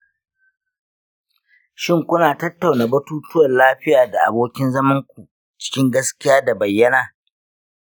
shin kuna tattauna batutuwan lafiya da abokin zamanku cikin gaskiya da bayyana?